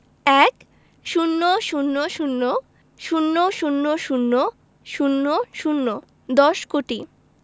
১০০০০০০০০ দশ কোটি